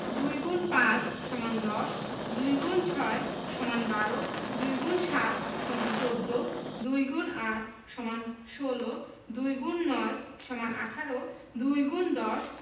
২ X ৫ = ১০ ২ X ৬ = ১২ ২ X ৭ = ১৪ ২ X ৮ = ১৬ ২ X ৯ = ১৮ ২ ×১০